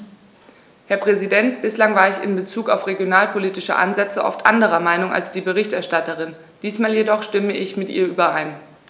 Herr Präsident, bislang war ich in bezug auf regionalpolitische Ansätze oft anderer Meinung als die Berichterstatterin, diesmal jedoch stimme ich mit ihr überein.